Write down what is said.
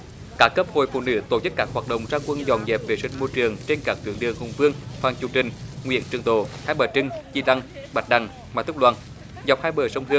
các cấp hội phụ nữ tổ chức các hoạt động ra quân dọn dẹp vệ sinh môi trường trên các tuyến đường hùng vương phan chu trinh nguyễn trường tộ hai bà trưng chi lăng bạch đằng mà tập đoàn dọc hai bờ sông hương